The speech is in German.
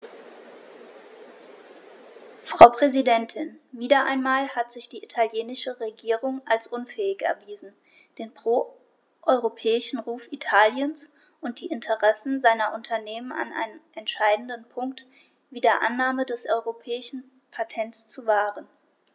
Frau Präsidentin, wieder einmal hat sich die italienische Regierung als unfähig erwiesen, den pro-europäischen Ruf Italiens und die Interessen seiner Unternehmen an einem entscheidenden Punkt wie der Annahme des europäischen Patents zu wahren.